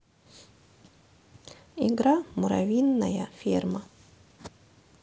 игра муравьиная ферма